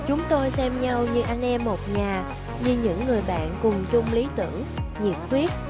chúng tôi xem nhau như anh em một nhà như những người bạn cùng chung lý tưởng nhiệt huyết